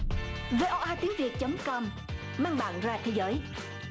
vê o a tiếng việt chấm com mang bạn ra thế giới